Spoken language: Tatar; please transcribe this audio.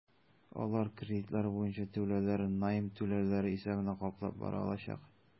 Алар кредитлар буенча түләүләрен найм түләүләре исәбенә каплап бара алачак.